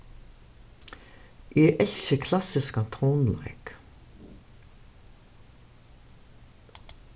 eg elski klassiskan tónleik